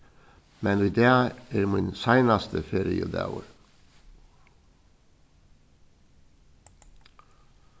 men í dag er mín seinasti feriudagur